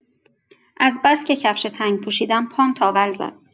از بس که کفش تنگ پوشیدم، پام تاول زد.